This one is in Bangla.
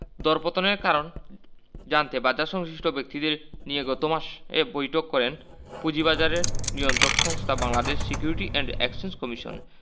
দরপতনের কারণ জানতে বাজারসংশ্লিষ্ট ব্যক্তিদের নিয়ে গত মাসে বৈঠক করেন পুঁজিবাজারের নিয়ন্ত্রক সংস্থা Bangladesh security and exchange commission